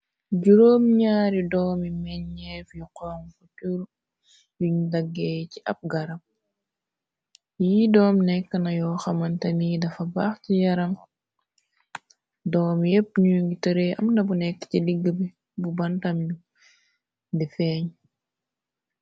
Juróom ñaaryi doomi meñeef yu xoom ko tur, yuñ daggeey ci ab garab yi, doom nekk nayo xamanta ni dafa baax ci yaram, doom yepp ñuy ngi tëree, amna bu nekk ci liggi bu, bantam di feeñ.